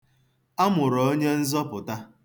A mụrụ Onyenzọpụta.